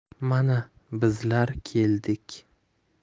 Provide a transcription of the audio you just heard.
mana bizlar keldik